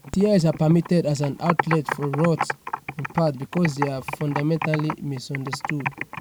Tears are permitted as an outlet for wrath in part because they are fundamentally misunderstood.